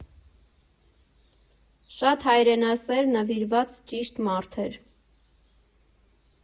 Շատ հայրենասեր, նվիրված, ճիշտ մարդ էր։